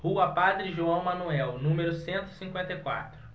rua padre joão manuel número cento e cinquenta e quatro